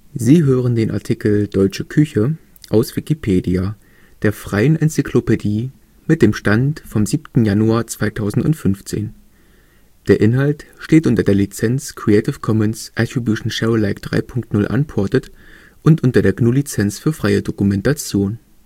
Sie hören den Artikel Deutsche Küche, aus Wikipedia, der freien Enzyklopädie. Mit dem Stand vom Der Inhalt steht unter der Lizenz Creative Commons Attribution Share Alike 3 Punkt 0 Unported und unter der GNU Lizenz für freie Dokumentation